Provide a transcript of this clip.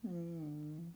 mm